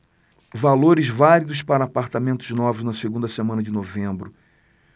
valores válidos para apartamentos novos na segunda semana de novembro